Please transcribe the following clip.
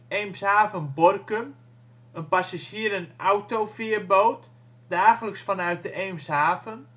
Eemshaven - Borkum, Passagier - en autoveerboot, dagelijks vanuit de Eemshaven